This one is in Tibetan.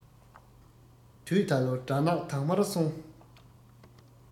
དུས ད ལོ དགྲ ནག དྭངས མར སོང